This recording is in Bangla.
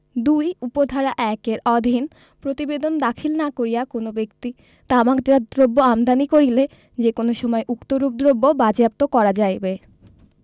২ উপ ধারা ১ এর অধীন প্রতিবেদন দাখিল না করিয়া কোন ব্যক্তি তামাকজাত দ্রব্য আমদানি করিলে যে কোন সময় উক্তরূপ দ্রব্য বাজেয়াপ্ত করা যাইবে